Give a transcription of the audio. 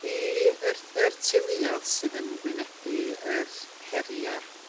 i yr yr teuluodd sydd yn gwynebu yr heria'